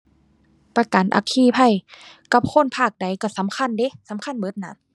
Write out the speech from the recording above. ประกันอัคคีภัย กับคนภาคใดก็สำคัญเดะ สำคัญเบิดน่ะ